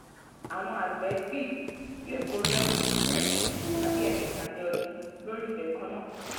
Àwọn àgbẹ̀ ibí yìí lè kórè ọ̀gbìn ní ẹ̀ẹ̀mejì àbí ẹ̀ẹ̀mẹta ní ọdún lórí ilẹ̀ kan náà.